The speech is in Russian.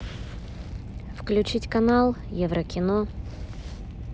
включить канал еврокино